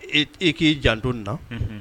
E e k'i janto nin na; Unhun.